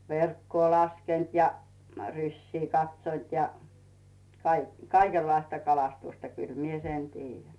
verkkoa laskenut ja rysiä katsonut ja - kaikenlaista kalastusta kyllä minä sen tiedän